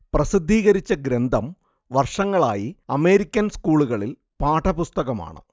പ്രസിദ്ധീകരിച്ച ഗ്രന്ഥം വർഷങ്ങളായി അമേരിക്കൻ സ്കൂളുകളിൽ പാഠപുസ്തകമാണ്